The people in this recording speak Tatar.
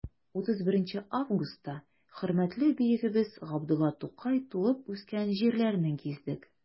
31 августта хөрмәтле бөегебез габдулла тукай туып үскән җирләрне гиздек.